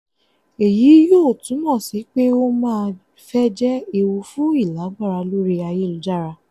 Èyí yóò túmọ̀ sí pé ó máa fẹ́ jẹ́ ewu fún ìlágbára lórí ayélujára.